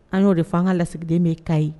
An ɲ'o de fɔ an ka lasigiden bɛ Kayi